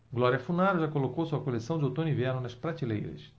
glória funaro já colocou sua coleção de outono-inverno nas prateleiras